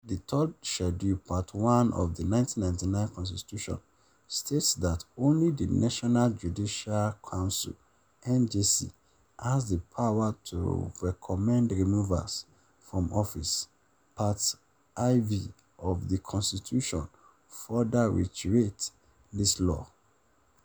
The Third Schedule, Part 1 of the 1999 Constitution states that only the National Judicial Council (NJC) has the power to recommend removals from office. Part IV of the Constitution further reiterates this law.